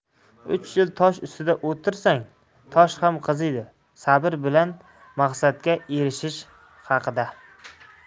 uch yil tosh ustida o'tirsang tosh ham qiziydi sabr bilan maqsadga erishish haqida